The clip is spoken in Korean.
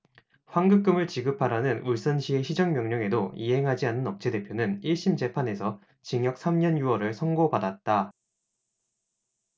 환급금을 지급하라는 울산시의 시정명령도 이행하지 않은 업체대표는 일 심 재판에서 징역 삼 년 유 월을 선고받았다